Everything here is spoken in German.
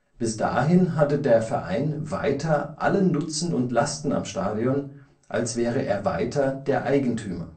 Bis dahin hatte der Verein weiter allen Nutzen und Lasten am Stadion, als wäre er weiter der Eigentümer